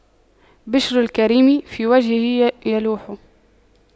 بِشْرُ الكريم في وجهه يلوح